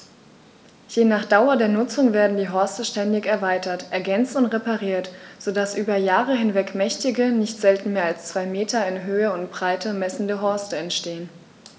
Je nach Dauer der Nutzung werden die Horste ständig erweitert, ergänzt und repariert, so dass über Jahre hinweg mächtige, nicht selten mehr als zwei Meter in Höhe und Breite messende Horste entstehen.